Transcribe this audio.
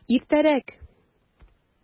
Иртәрәк!